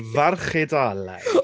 Farch Eidaleg.